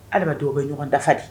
Adamadenw o bɛ ɲɔgɔn dafa de